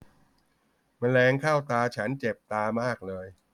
แมลงเข้าตาฉันเจ็บตามากเลย